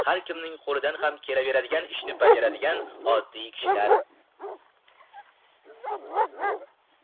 har kimning qo'lidan ham kelaveradigan ishni bajaradigan oddiy kishilar